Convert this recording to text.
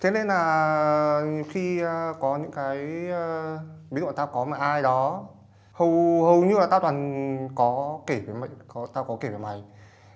thế nên là khi có những cái ví dụ tao có một ai đó hù hầu như tao toàn có kể tao có kể với mày